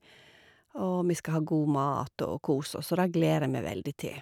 Og vi skal ha god mat og kose oss, og det gleder jeg meg veldig til.